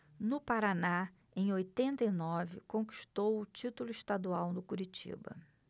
no paraná em oitenta e nove conquistou o título estadual no curitiba